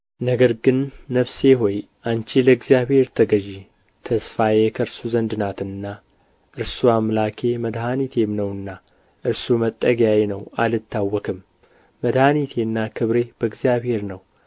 ነገር ግን ነፍሴ ሆይ አንቺ ለእግዚአብሔር ተገዢ ተስፋዬ ከእርሱ ዘንድ ናትና እርሱ አምላኬ መድኃኒቴም ነውና እርሱ መጠጊያዬ ነው አልታወክም መድኃኒቴና ክብሬ በእግዚአብሔር ነው